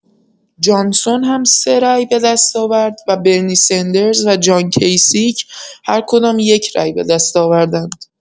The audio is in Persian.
جانسون هم سه رای به دست آورد و برنی سندرز و جان کیسیک هر کدام‌یک رای به دست آوردند.